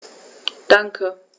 Danke.